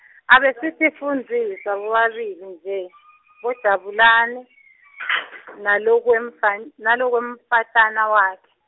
Abasitifundziswa bobabili nje boJabulane nalokwemfan- nalokwemfatana wakhe.